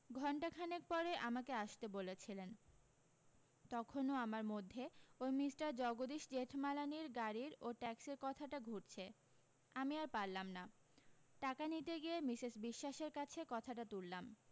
ঘন্টাখানেক পরে আমাকে আসতে বলেছিলেন তখনও আমার মধ্যে ওই মিষ্টার জগদীশ জেঠমালানির গাড়ীর ও ট্যাক্সির কথাটা ঘুরছে আমি আর পারলাম না টাকা নিতে গিয়ে মিসেস বিশ্বাসের কাছে কথাটা তুললাম